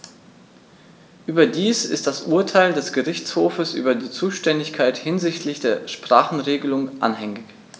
Überdies ist das Urteil des Gerichtshofes über die Zuständigkeit hinsichtlich der Sprachenregelung anhängig.